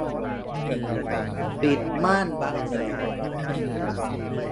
ปิดม่านบังแสง